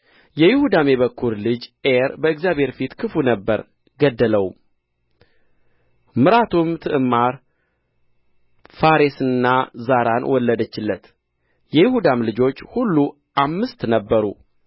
የይሁዳም የበኵር ልጅ ዔር በእግዚአብሔር ፊት ክፉ ነበረ ገደለውም ምራቱም ትዕማር ፋሬስንና ዛራን ወለደችለት የይሁዳም ልጆች ሁሉ አምስት ነበሩ